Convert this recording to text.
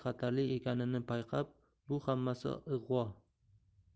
xatarli ekanini payqab bu hammasi ig'vo